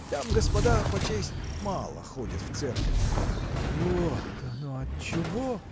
там господа, почесть, мало ходят в церковь. – Вот оно отчего!